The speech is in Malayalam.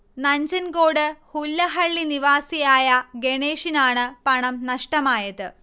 നഞ്ചൻകോട് ഹുല്ലഹള്ളി നിവാസിയായ ഗണേഷിനാണ് പണം നഷ്ടമായത്